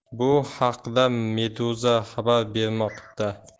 bu haqda meduza xabar bermoqda